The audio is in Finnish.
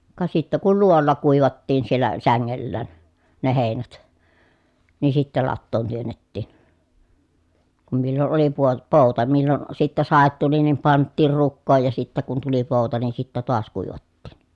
ka sitten kun luo'olla kuivattiin siellä sängellään ne heinät niin sitten latoon työnnettiin kun milloin oli - pouta milloin sitten sade tuli niin pantiin rukoon ja sitten kun tuli pouta niin sitten taas kuivattiin